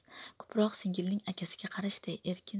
ko'proq singilning akasiga qarashiday erkin